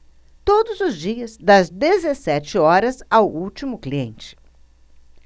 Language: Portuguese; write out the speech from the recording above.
todos os dias das dezessete horas ao último cliente